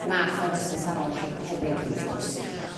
Math o rosyn Saron hypericum wrth gwrs